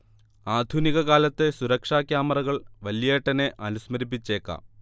ആധുനികകാലത്തെ സുരക്ഷാ ക്യാമറകൾ വല്യേട്ടനെ അനുസ്മരിപ്പിച്ചേക്കാം